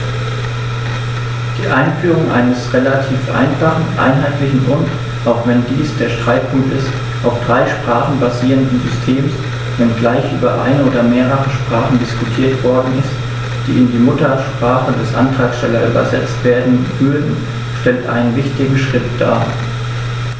Die Einführung eines relativ einfachen, einheitlichen und - auch wenn dies der Streitpunkt ist - auf drei Sprachen basierenden Systems, wenngleich über eine oder mehrere Sprachen diskutiert worden ist, die in die Muttersprache des Antragstellers übersetzt werden würden, stellt einen wichtigen Schritt dar.